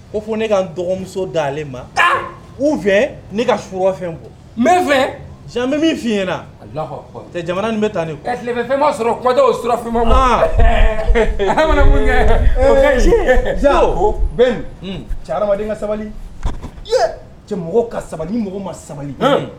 O fo ne ka n dɔgɔmuso dalenlen ma u fɛ ne ka su fɛn n fɛ bɛ min fi na cɛ jamana min bɛ taa fɛnma sɔrɔ su fɛnma ma cɛden sabali cɛ ka sabali mɔgɔ ma sabali